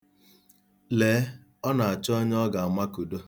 Lee, ọ na-achọ onye ọ ga-amakudo!